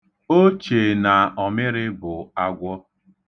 O che na ọmịrị bụ agwo.